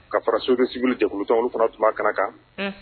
Ka fara société civile jɛkulu tɔn olu fana tun b''a kɛnɛ kan.